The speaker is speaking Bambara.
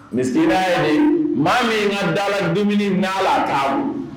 Misikina ye de, maa min ka dala dumuni n'a hali a t'a bolo